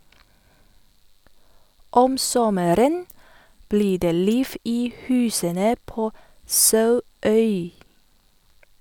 Om sommeren blir det liv i husene på Sauøy.